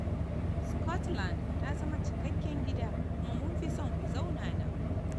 Scotland ta zama cikakken gida kuma munfi son ku zauna nan."